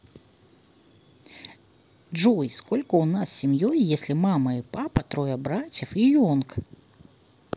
джой сколько у нас семьей если мама и папа трое братьев и young